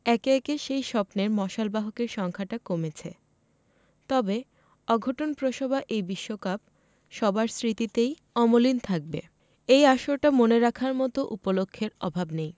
একে একে সেই স্বপ্নের মশালবাহকের সংখ্যাটা কমেছে তবে অঘটনপ্রসবা এই বিশ্বকাপ সবার স্মৃতিতেই অমলিন থাকবে এই আসরটা মনে রাখার মতো উপলক্ষের অভাব নেই